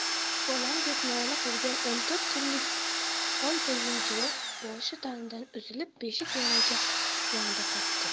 bolam deb nola qilgan o'n to'rt kunlik oydayin juvon boshi tanidan uzilib beshik yonida qotdi